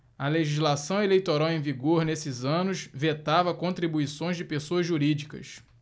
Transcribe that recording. a legislação eleitoral em vigor nesses anos vetava contribuições de pessoas jurídicas